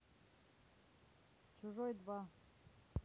чужой два